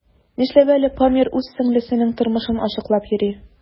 Нишләп әле Памир үз сеңлесенең тормышын ачыклап йөри?